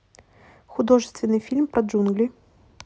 художественный фильм про джунгли